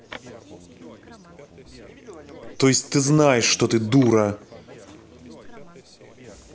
то есть ты знаешь что ты дура